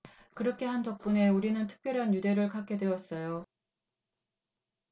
그렇게 한 덕분에 우리는 특별한 유대를 갖게 되었어요